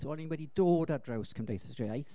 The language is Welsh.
so o'n i wedi dod ar draws Cymdeithas yr Iaith.